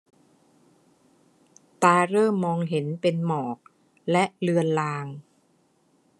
ตาเริ่มมองเห็นเป็นหมอกและเลือนลาง